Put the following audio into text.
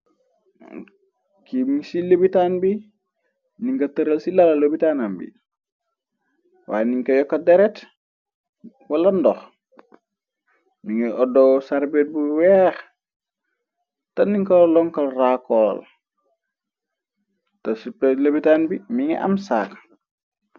kim ci lebitaan bi ni nga tëral ci lala lebitanam bi waye niñka yokka deret wala ndox mi nga odo sarber bu weex ta niñko lonkal raakool te c lebitaan bi minga am saak